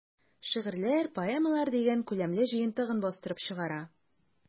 "шигырьләр, поэмалар” дигән күләмле җыентыгын бастырып чыгара.